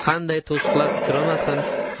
qanday to'siqlar uchramasin